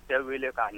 Bɛɛ wele'a